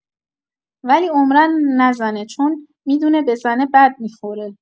ولی عمرا نزنه چون می‌دونه بزنه بد می‌خوره